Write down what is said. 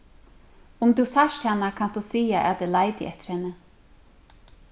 um tú sært hana kanst tú siga at eg leiti eftir henni